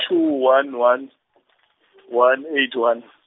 two one one one eight one.